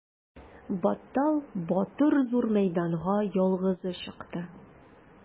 Баттал батыр зур мәйданга ялгызы чыкты.